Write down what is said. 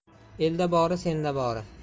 elda bori senda bori